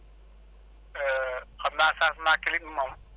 xam naa changement clim moom